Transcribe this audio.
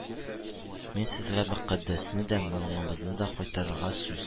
Мин сезгә Мөкаддәсне дә, моңыбызны да кайтарырга сүз